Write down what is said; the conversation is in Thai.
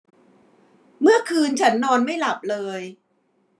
เมื่อคืนฉันนอนไม่หลับเลย